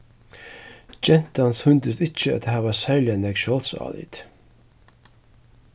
gentan sýndist ikki at hava serliga nógv sjálvsálit